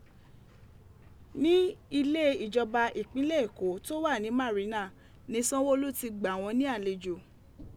Ni ile ijọba ipinlẹ Eko to wa ni Marina ni Sanwo Olu ti gba wọn ni alejo.